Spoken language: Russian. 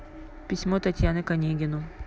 письмо татьяны к онегину